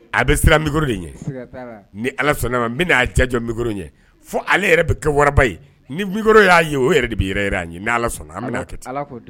A bɛ siran mi de ni ala sɔnna ne n bɛna'a ja jɔ mi ɲɛ fo ale yɛrɛ bɛ kɛ wara ye nikoro y'a ye o yɛrɛ de bɛ ye ni sɔnna an kɛ